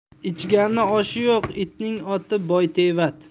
ichgani oshi yo'q itining oti boytevat